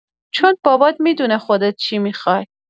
چون بابات می‌دونه خودت چی می‌خوای؟